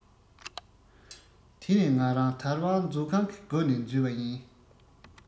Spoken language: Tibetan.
དེ ནས ང རང དལ བར མཛོད ཁང གི སྒོ ནས འཛུལ བ ཡིན